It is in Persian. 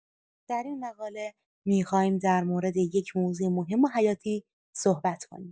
در این مقاله می‌خواهیم در مورد یک موضوع مهم و حیاتی صحبت کنیم.